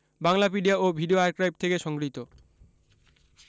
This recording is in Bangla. বাংলাপিডিয়া ও ভিডিও আর্কাইভ থেকে সংগ্রহীত